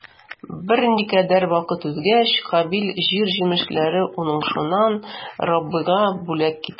Берникадәр вакыт узгач, Кабил җир җимешләре уңышыннан Раббыга бүләк китерде.